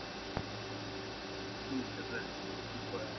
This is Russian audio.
мне сказали что ты тупая